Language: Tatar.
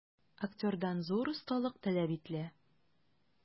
Актердан зур осталык таләп ителә.